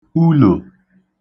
ulò